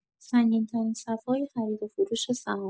سنگین‌ترین صف‌های خرید و فروش سهام